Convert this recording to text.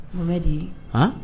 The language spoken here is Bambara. Mɔmɛdi, han